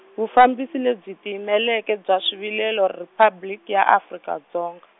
Vufambisi lebyi Tiyimeleke bya Swivilelo Riphabliki ya Afrika Dzonga.